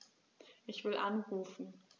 Ich will anrufen.